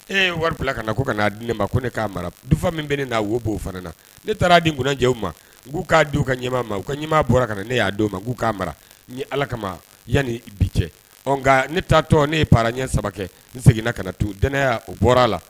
E wari bila ka na ko ka'a di ne ma ko ne k'a mara du min bɛ ne' wo bo fana na ne taara' di kunjɛw ma k'u k'a di u ka ɲɛmaa ma u ka ɲɛmaa bɔra kana na ne y'a di ma k'u k'a mara ni ala kama yanni bi cɛ ne t taa tɔ ne ye pa ɲɛ saba kɛ n seginna ka na tu dɛnɛnya u bɔra a la